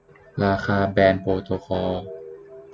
ราคาแบรนด์โปรโตคอล